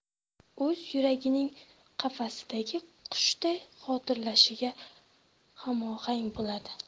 o'z yuragining qafasdagi qushday potirlashiga hamohang bo'ladi